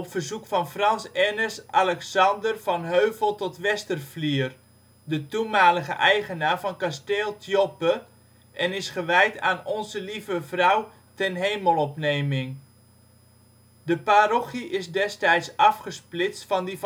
verzoek van Frans Ernest Alexander van Hövell tot Westerflier, de toenmalige eigenaar van Kasteel ' t Joppe, en is gewijd aan Onze Lieve Vrouw Tenhemelopneming. De parochie is destijds afgesplitst van die